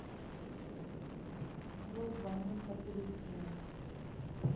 злой двойник поперечного